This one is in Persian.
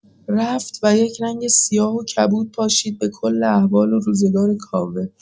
رفت و یک رنگ سیاه و کبود پاشید به‌کل احوال و روزگار کاوه.